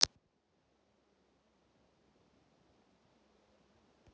найди мне банзая